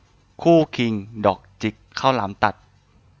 คู่คิงดอกจิกข้าวหลามตัด